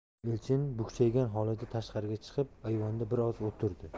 elchin bukchaygan holida tashqariga chiqib ayvonda bir oz o'tirdi